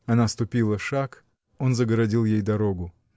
Она ступила шаг, он загородил ей дорогу.